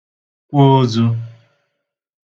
kwa ozū